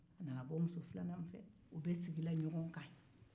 a nana bɔ muso filanan fɛ u bɛ sigila ɲogo kan